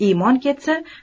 imon ketsa